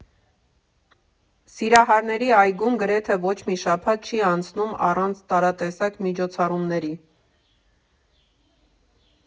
Սիրահարների այգում գրեթե ոչ մի շաբաթ չի անցնում առանց տարատեսակ միջոցառումների։